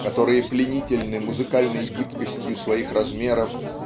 которые пленительны музыкальной гибкостью своих размеров